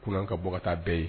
K ka bɔ taa bɛɛ ye